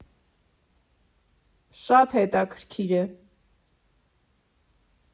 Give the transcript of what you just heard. Շատ հետաքրքիր է։